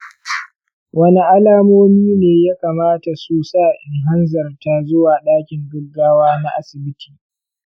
wadanne alamomi ne ya kamata su sa in hanzarta zuwa dakin gaggawa na asibiti?